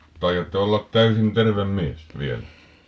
taidatte olla täysin terve mies vielä